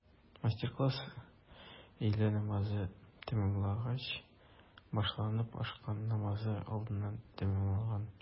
Мастер-класс өйлә намазы тәмамлангач башланып, ахшам намазы алдыннан тәмамланган.